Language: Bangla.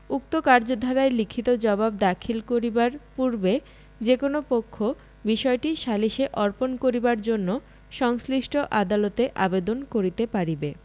উক্ত কার্যধারায় লিখিত জবাব দাখিল করিবার পূর্বে যে কোন পক্ষ বিষয়টি সালিসে অর্পণ করিবার জন্য সংশ্লিষ্ট আদালতে আবেদন করিতে পারিবে